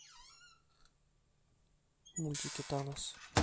мультики танос